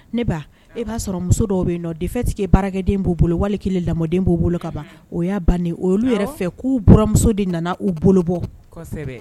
Ne e'a sɔrɔ muso dɔw bɛ nɔ detigi baarakɛden b'o bolo wali lamɔden b'o bolo ka ban o y'a ban olu yɛrɛ fɛ k'u bmuso de nana u bolo bɔ